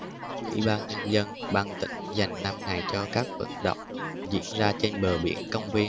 ủy ban nhân dân ban tỉnh dành năm ngày cho các vận động diễn ra trên bờ biển công viên